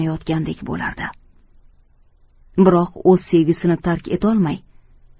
urinayotgandek bo'lardi biroq o'z sevgisini tark etolmay